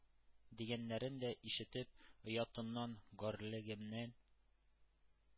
— дигәннәрен дә ишетеп, оятымнан, гарьлегемнән